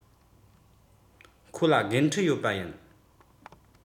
ཁོ ལ འགན འཁྲི ཡོད པ ཡིན